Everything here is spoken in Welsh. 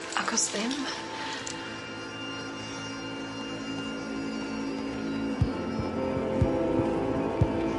Ac os ddim?